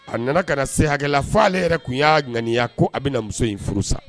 A nana ka na se hakɛla fɔ'ale yɛrɛ tun y'a ŋaniya ko a bɛna na muso in furu san